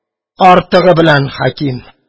Артыгы белән, хәким.